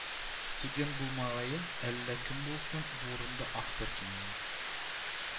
Студент булмагае, әллә кем булсын, бу урында автор кимендә